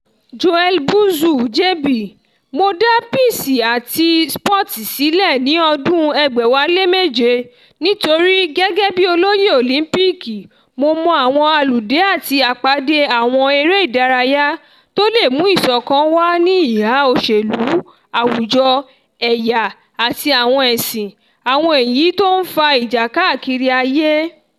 Joël Bouzou (JB): Mo dá Peace and Sport sílẹ̀ ní ọdún 2007 nítorí, gẹ́gẹ́ bi olóyè Òlímpììkì, mo mọ àwọn àludé àti àpadé àwon eré ìdárayá tó lè mú ìsọ̀kan wá ní ìhà òṣèlú, àwùjọ, ẹ̀yà àti àwọn ẹ̀sìn, àwọn èyí tó ń fa ìjà káàkiri ayé.